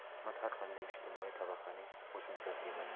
hurmat har qanday ijtimoiy tabaqaning qo'shimchasi emas